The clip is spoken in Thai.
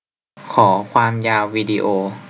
ขอความยาววิดีโอ